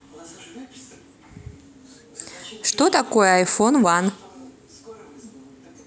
что такое iphone ван